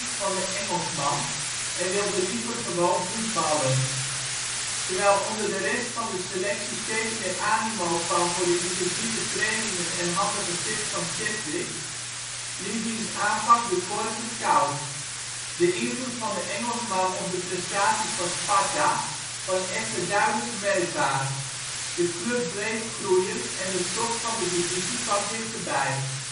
van de Engelsman en wilde liever gewoon voetballen. Terwijl onder de rest van de selectie steeds meer animo kwam voor de intensieve trainingen en handige tips van Chadwick liet diens aanpak De Korver koud. De invloed van de Engelsman op de prestaties van Sparta was echter duidelijk merkbaar; de club bleef groeien en de top van de divisie kwam dichterbij